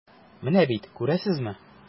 Менә бит, күрәсезме.